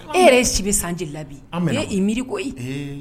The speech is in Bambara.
E yɛrɛ ye sibi sanji la bi o ye' miiri ko ye